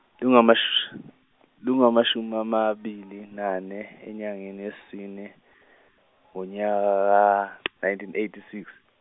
lungamash- lungamashumi amabili nane enyangeni yesine ngonyaka nineteen eighty six.